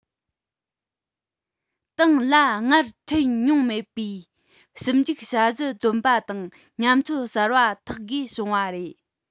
ཏང ལ སྔར འཕྲད མྱོང མེད པའི ཞིབ འཇུག བྱ གཞི བཏོན པ དང ཉམས ཚོད གསར པ ཐེག དགོས བྱུང བ རེད